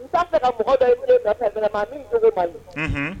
N' fɛ ka mɔgɔ dɔ i bila fɛn min